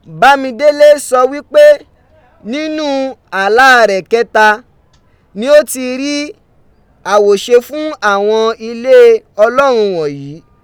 Bámidélé sọ wí pé nínú àláa rẹ̀ kẹ́ta ni ó ti rí àwòṣe fún àwọn ilé Ọlọ́run wọ̀nyí.